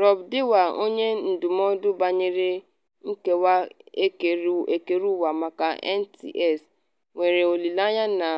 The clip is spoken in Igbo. Rob Dewar, onye ndụmọdụ banyere nchekwa ekereụwa maka NTS, nwere olile anya na